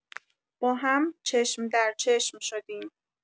با هم چشم در چشم شدیم.